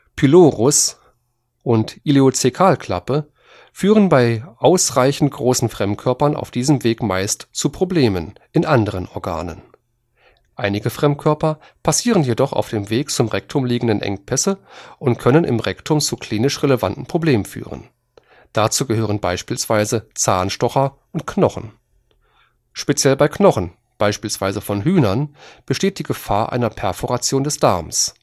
Pylorus und Ileozäkalklappe führen bei ausreichend großen Fremdkörpern auf diesem Weg meist zu Problemen in anderen Organen. Einige Fremdkörper passieren jedoch die auf dem Weg zum Rektum liegenden Engpässe und können im Rektum zu klinisch relevanten Problemen führen. Dazu gehören beispielsweise Zahnstocher und Knochen. Speziell bei Knochen, beispielsweise von Hühnern, besteht die Gefahr einer Perforation des Darms